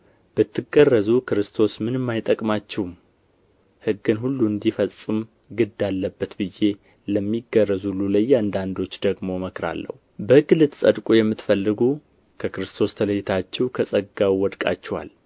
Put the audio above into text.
ብትገረዙ ክርስቶስ ምንም አይጠቅማችሁም ሕግንም ሁሉ እንዲፈጽም ግድ አለበት ብዬ ለሚገረዙት ሁሉ ለእያንዳንዶች ደግሜ እመሰክራለሁ በሕግ ልትጸድቁ የምትፈልጉ ከክርስቶስ ተለይታችሁ ከጸጋው ወድቃችኋል